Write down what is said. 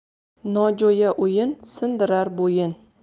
nojo'ya o'yin sindirar bo'yin